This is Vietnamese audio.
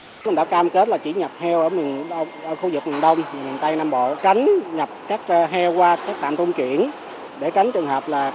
cũng đã cam kết là chỉ nhập heo ở một khu vực miền đông miền tây nam bộ tránh nhập các heo qua các trạm trung chuyển để tránh trường hợp là trà